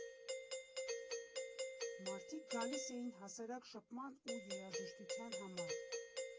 Մարդիկ գալիս էին հասարակ շփման ու երաժշտության համար։